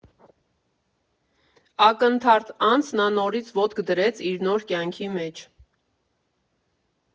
Ակնթարթ անց նա նորից ոտք դրեց իր նոր կյանքի մեջ։